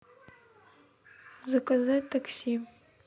заказать такси